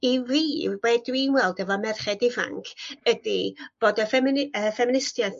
i fi be 'dwi'n weld efo'r merched ifanc ydi bod y ffemini- y ffeministieth